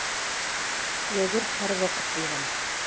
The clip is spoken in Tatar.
Ягр һәрвакыт булган.